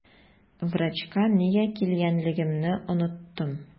Врачка нигә килгәнлегемне оныттым.